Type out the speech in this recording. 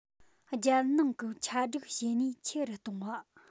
རྒྱལ ནང གི ཆ སྒྲིག བྱེད ནུས ཆེ རུ གཏོང བ